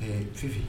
Ɛɛ cibi